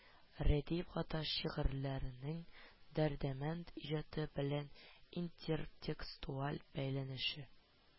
РӘДИФ ГАТАШ ШИГЫРЬЛӘРЕНЕҢ ДӘРДЕМӘНД ИҖАТЫ БЕЛӘН ИНТЕРТЕКСТУАЛЬ БӘЙЛӘНЕШЕ